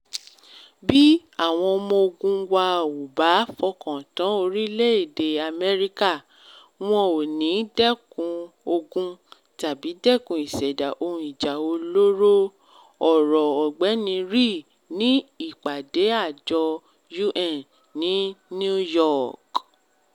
”Bí àwọn ọmọ-ogun wa ‘ò bá fọkàntán orílẹ̀-èdè Amẹ́ríkà, wọn ‘ò ní dẹkun ogun tàbí dẹ́kun ìṣẹ̀dá ohun ìjà olóró,” ọ̀rọ̀ Ọ̀gbẹ́ni Ri ní ìpàdé Àjọ UN ní New York.